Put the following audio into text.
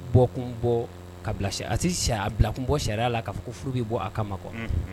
Bɔ kun bɔ kabila bila a si sariyaya bila kun bɔ sariya' la ka fɔ ko furu bɛ bɔ a kama ma kuwa